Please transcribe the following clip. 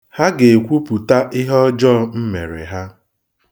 Ha ga-ekwuputa ihe ọjọọ m mere ha.